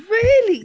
Really?!